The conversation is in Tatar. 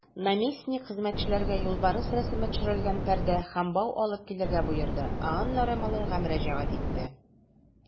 Наместник хезмәтчеләргә юлбарыс рәсеме төшерелгән пәрдә һәм бау алып килергә боерды, ә аннары малайга мөрәҗәгать итте.